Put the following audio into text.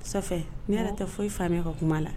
N'i yɛrɛ tɛ foyi i faamuya ka kuma la